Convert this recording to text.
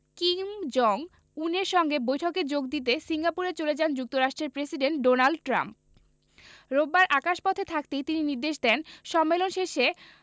Kim Jong উনের সঙ্গে বৈঠকে যোগ দিতে সিঙ্গাপুরে চলে যান যুক্তরাষ্ট্রের প্রেসিডেন্ট ডোনাল্ড ট্রাম্প রোববার আকাশপথে থাকতেই তিনি নির্দেশ দেন সম্মেলন শেষে